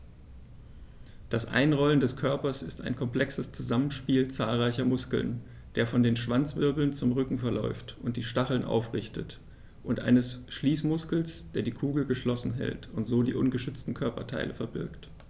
Das Einrollen des Körpers ist ein komplexes Zusammenspiel zahlreicher Muskeln, der von den Schwanzwirbeln zum Rücken verläuft und die Stacheln aufrichtet, und eines Schließmuskels, der die Kugel geschlossen hält und so die ungeschützten Körperteile verbirgt.